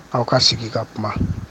Aw ka sigi ka kuma